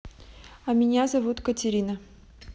а меня зовут катерина